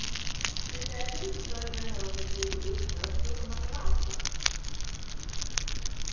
til tey eitt sindur størri hava vit givið út bøkur um at vera ættleidd